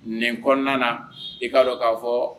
Nin n kɔnɔna na i kaa dɔn k'a fɔ